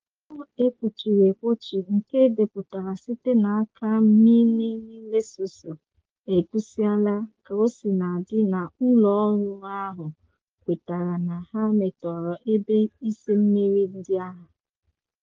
Akụkọ ekpuchiri ekpuchi nke edepụtara sitere n'aka MNN Lesotho egosila, kaosinandi, na ụlọ ọrụ ahụ kwetara na ha metọrọ ebe isi mmiri ndị a.